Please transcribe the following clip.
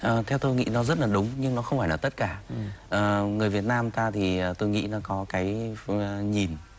ờ theo tôi nghĩ nó rất là đúng nhưng nó không phải là tất cả ờ người việt nam ta thì tôi nghĩ là có cái nhìn